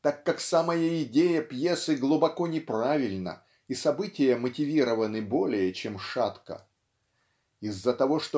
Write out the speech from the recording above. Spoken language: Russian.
так как самая идея пьесы глубоко неправильна и события мотивированы более чем шатко. Из-за того